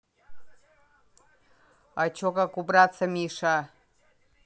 а че как убраться миша